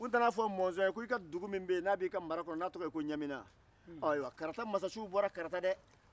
u nana a fɔ mɔnzɔn ye ko i ka dugu min bɛ yen n'a bɛ i ka mara kɔnɔ n'a tɔgɔ ye ko ɲamina ayiwa karata masasiw bɔra karata dɛ